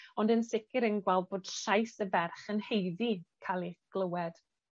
Ond yn sicir yn gweld bod llais y ferch yn haeddu cael ei glywed.